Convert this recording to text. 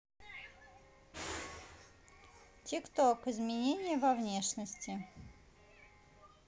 тик ток изменение во внешности